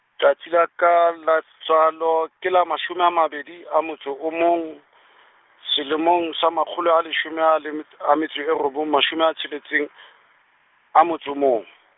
tsatsi la ka la tswalo ke mashome a mabedi a motso o mong, selemong sa makgolo a leshome a le mets-, a metso e robong mashome a tsheletseng , a motso o mong.